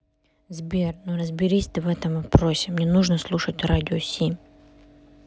сбер ну разберись ты в этом вопросе мне нужно слушать радио семь